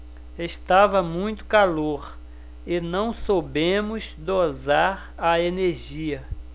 estava muito calor e não soubemos dosar a energia